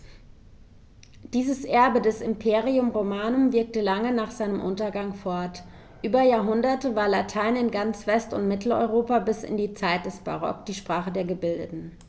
Dieses Erbe des Imperium Romanum wirkte lange nach seinem Untergang fort: Über Jahrhunderte war Latein in ganz West- und Mitteleuropa bis in die Zeit des Barock die Sprache der Gebildeten.